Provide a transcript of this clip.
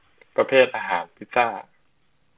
ประเภทอาหารพิซซ่า